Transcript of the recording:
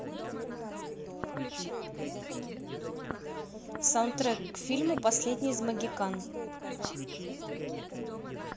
саундтрек к фильму последний из могикан